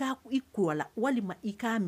I' i ko la walima i k'a mɛn